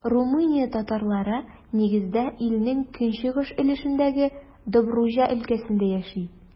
Румыния татарлары, нигездә, илнең көнчыгыш өлешендәге Добруҗа өлкәсендә яши.